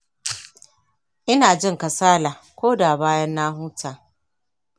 ina jin kasala ko da bayan na huta